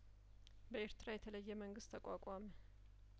በኤርትራ የተለየመንግስት ተቋቋመ